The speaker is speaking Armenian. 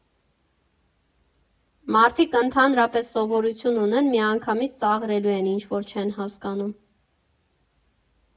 Մարդիկ ընդհանրապես սովորություն ունեն միանգամից ծաղրելու էն, ինչ որ չեն հասկանում։